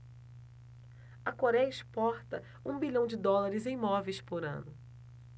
a coréia exporta um bilhão de dólares em móveis por ano